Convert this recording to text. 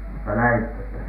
mutta näitte sen